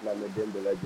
N' mɛ den bɛɛji